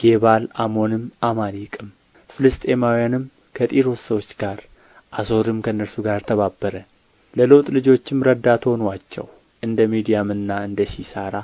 ጌባል አሞንም አማሌቅም ፍልስጥኤማውያንም ከጢሮስ ሰዎች ጋር አሦርም ከእነርሱ ጋር ተባበረ ለሎጥ ልጆችም ረዳት ሆኑአቸው እንደ ምድያምና እንደ ሲሣራ